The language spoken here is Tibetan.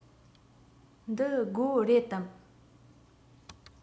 འདི སྒོ རེད དམ